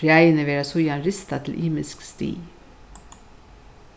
fræini verða síðan ristað til ymisk stig